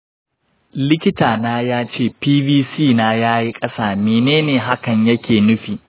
likita na yace pcv na yayi ƙasa; mene hakan yake nufi?